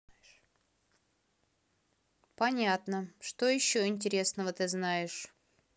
понятно что еще интересного ты знаешь